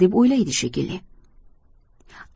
deb o'ylaydi shekilli